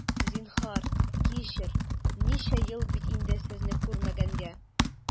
Зинһар, кичер, ничә ел бит инде сезне күрмәгәнгә!